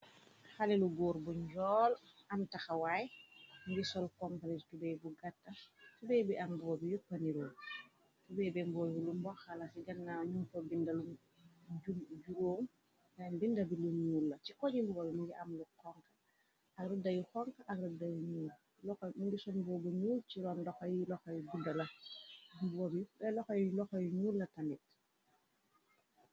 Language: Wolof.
xalelu góor bu njool am taxawaay ngi sol konpreg tubey bu gatta subey bi am boobi yu paniroom tube bemboorb lu mboxala ci gannaaw ñumto binda lu juróom dañ binda bi lu ñuul la ci koji mbool mni am lu konk ak ruddayu konk akngisonboobu ñuul ciroon dboob yu loxo yu loxo yu ñuul la tamit